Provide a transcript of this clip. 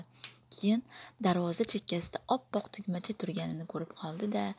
keyin darvoza chekkasida oppoq tugmacha turganini ko'rib qoldi da